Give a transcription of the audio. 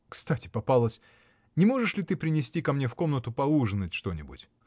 кстати попалась: не можешь ли ты принести ко мне в комнату поужинать что-нибудь?